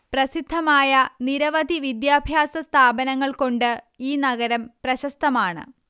പ്രസിദ്ധമായ നിരവധി വിദ്യാഭ്യാസ സ്ഥാപനങ്ങൾ കൊണ്ട് ഈ നഗരം പ്രശസ്തമാണ്